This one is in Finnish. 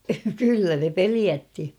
kyllä ne pelotti